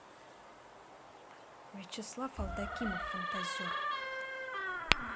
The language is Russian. вячеслав алдакимов фантазер